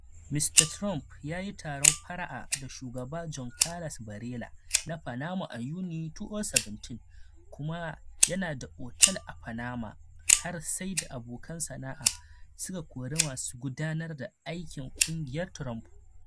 Mr. Trump ya yi taron fara’a da Shugaba Juan Carlos Varela na Panama a Yuni 2017 kuma yana da otel a Panama har sai da abokanan sana’a suka kori masu gudanar da aikin kungiyar Trump.